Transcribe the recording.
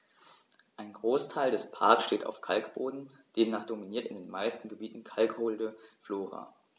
Ein Großteil des Parks steht auf Kalkboden, demnach dominiert in den meisten Gebieten kalkholde Flora.